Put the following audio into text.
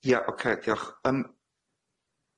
Ie oce diolch yym.